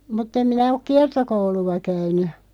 mutta en minä ole kiertokoulua käynyt